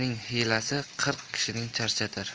qirq kishini charchatar